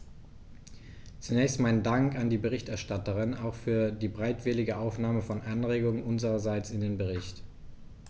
Zunächst meinen Dank an die Berichterstatterin, auch für die bereitwillige Aufnahme von Anregungen unsererseits in den Bericht.